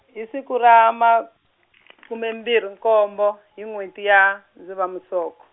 hi siku ra makume mbirhi nkombo hi n'hweti ya, Dzivamusoko.